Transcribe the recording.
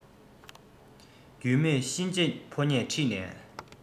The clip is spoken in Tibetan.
རྒྱུས མེད གཤིན རྗེ ཕོ ཉས ཁྲིད ནས